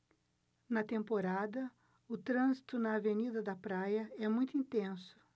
na temporada o trânsito na avenida da praia é muito intenso